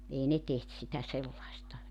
ei ne tehty sitä sellaista